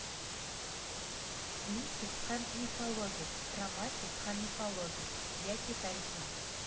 Листик һәм мифологик, романтик һәм мифологик яки тарихи,